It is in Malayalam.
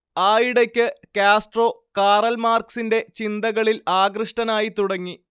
ആയിടക്ക് കാസ്ട്രോ കാറൽ മാർക്സിന്റെ ചിന്തകളിൽ ആകൃഷ്ടനായിത്തുടങ്ങി